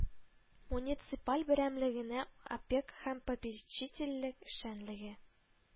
Муниципаль берәмлегенә опека һәм попечительлек эшчәнлеге